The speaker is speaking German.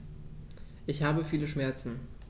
Ich habe viele Schmerzen.